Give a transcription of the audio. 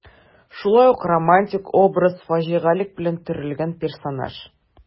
Шулай ук романтик образ, фаҗигалек белән төрелгән персонаж.